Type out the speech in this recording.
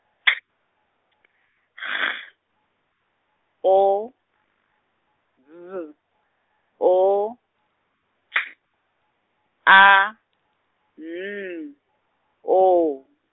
K G O B O K A N O.